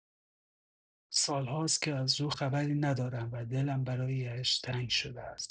سالهاست که از او خبری ندارم و دلم برایش تنگ شده است.